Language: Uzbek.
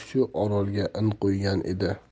shu orolga in qo'ygan edi